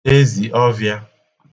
eziovịa